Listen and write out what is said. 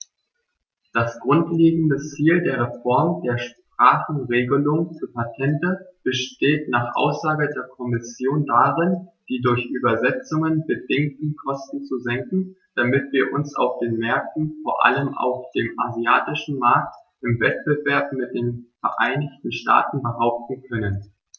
Das grundlegende Ziel der Reform der Sprachenregelung für Patente besteht nach Aussage der Kommission darin, die durch Übersetzungen bedingten Kosten zu senken, damit wir uns auf den Märkten, vor allem auf dem asiatischen Markt, im Wettbewerb mit den Vereinigten Staaten behaupten können.